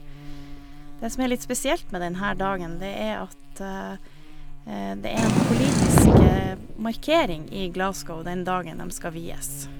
Det som er litt spesielt med den her dagen, det er at det er en politisk markering i Glasgow den dagen dem skal vies.